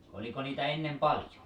oliko niitä ennen paljon